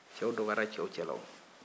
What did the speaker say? cɛw dɔgɔyara cɛw cɛla o